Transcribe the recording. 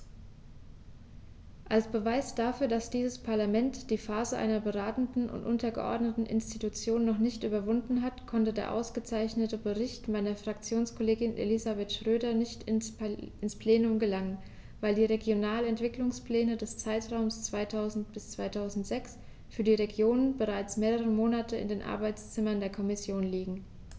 Als Beweis dafür, dass dieses Parlament die Phase einer beratenden und untergeordneten Institution noch nicht überwunden hat, konnte der ausgezeichnete Bericht meiner Fraktionskollegin Elisabeth Schroedter nicht ins Plenum gelangen, weil die Regionalentwicklungspläne des Zeitraums 2000-2006 für die Regionen bereits mehrere Monate in den Arbeitszimmern der Kommission liegen.